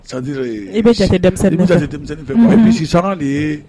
San i bɛ denmisɛnnin dɛ fɛsisa de ye